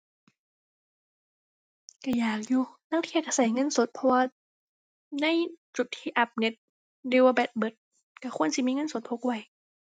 ก็อยากอยู่ ลางเที่ยก็ก็เงินสด เพราะว่าในจุดที่อับเน็ตหรือว่าแบตเบิดก็ควรสิมีเงินสดพกไว้